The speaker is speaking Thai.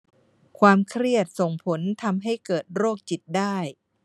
ความเครียดส่งผลทำให้เกิดโรคจิตได้